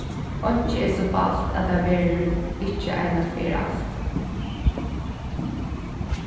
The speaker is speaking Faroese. einki er so balt at tað verður ikki eina ferð alt